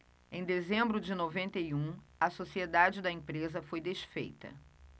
em dezembro de noventa e um a sociedade da empresa foi desfeita